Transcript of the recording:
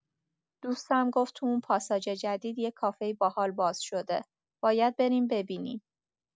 دوستم گفت که تو اون پاساژ جدید یه کافه باحال باز شده، باید بریم ببینیم.